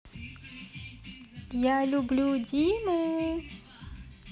я люблю диму